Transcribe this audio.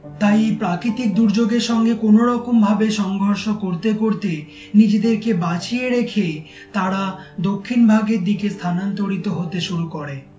তাই এ প্রাকৃতিক দুর্যোগের সঙ্গে কোন রকম ভাবে সংঘর্ষ করতে করতে নিজেদেরকে বাঁচিয়ে রেখে তারা দক্ষিণ ভাগ এর দিকে স্থানান্তরিত হতে শুরু করে